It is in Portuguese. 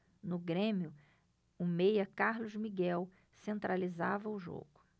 no grêmio o meia carlos miguel centralizava o jogo